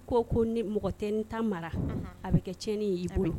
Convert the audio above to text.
Ko ko ni mɔgɔ tɛ tan mara a bɛ kɛ cɛnɲɛn ni mɛn kɛ